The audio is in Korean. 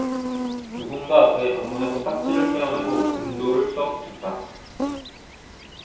누군가 그의 방문에서 딱지를 떼어내고 근조를 써 붙였다